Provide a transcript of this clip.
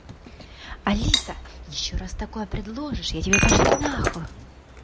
alisa еще раз такое предложишь я тебе пошлю нахуй